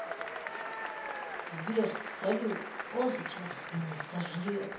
сбер салют он сейчас меня сожрет